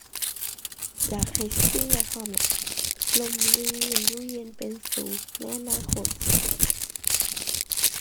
อยากให้สิ่งแวดฮ้อมนี้ ร่มรื่น อยู่เย็นเป็นสุขในอนาคต